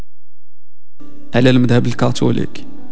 المذهب الكاثوليكي